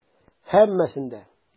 Һәммәсен дә.